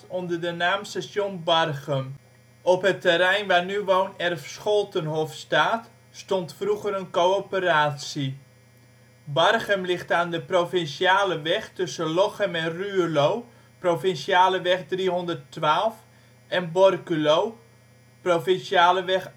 onder de naam Station Barchem. Op het terrein waar nu woonerf ' Scholtenhof ' staat, stond vroeger een coöperatie. Barchem ligt aan de provinciale weg tussen Lochem en Ruurlo (Provinciale weg 312) en Borculo (Provinciale weg